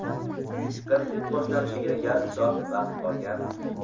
kontsert boshlanishiga yarim soat vaqt qolgan